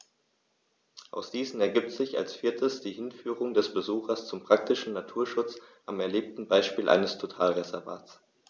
Aus diesen ergibt sich als viertes die Hinführung des Besuchers zum praktischen Naturschutz am erlebten Beispiel eines Totalreservats.